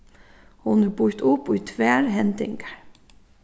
hon er býtt upp í tvær hendingar